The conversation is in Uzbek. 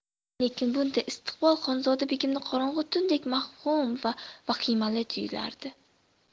lekin bunday istiqbol xonzoda begimga qorong'i tundek mavhum va vahimali tuyulardi